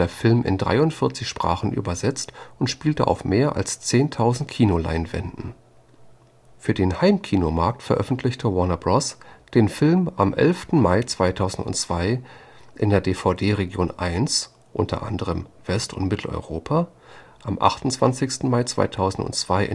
Film in 43 Sprachen übersetzt und spielte auf mehr als 10.000 Kinoleinwänden. Für den Heimkinomarkt veröffentlichte Warner Bros. den Film am 11. Mai 2002 in der DVD-Region 1 (unter anderem West - und Mitteleuropa) und am 28. Mai 2002